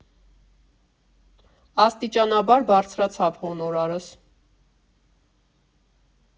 Աստիճանաբար բարձրացավ հոնորարս։